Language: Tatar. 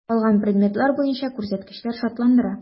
Калган предметлар буенча күрсәткечләр шатландыра.